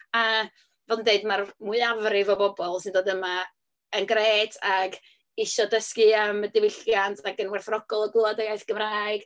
A fel dwi'n deud, mae'r mwyafrif o bobl sy'n dod yma yn grêt ac isio dysgu am y diwylliant ac yn werthfawrogol o glywed y iaith Gymraeg.